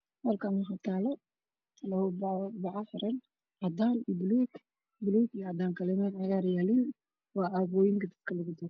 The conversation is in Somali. Halkan waxa talo labo bac xiran cadan iyo baluug baluug iyo cadan kalaro kale yalin